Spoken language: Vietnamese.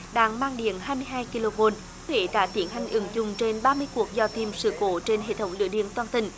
đang mang điện hai mươi hai ki lô vôn huế đã tiến hành ứng dụng trên ba mươi cuộc dò tìm sự cố trên hệ thống lưới điện toàn tỉnh